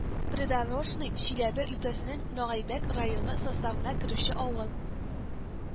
Придорожный Чиләбе өлкәсенең Нагайбәк районы составына керүче авыл